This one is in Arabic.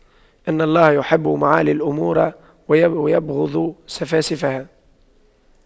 إن الله يحب معالي الأمور ويبغض سفاسفها